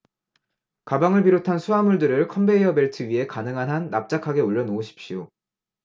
가방을 비롯한 수하물들을 컨베이어 벨트 위에 가능한 한 납작하게 올려놓으십시오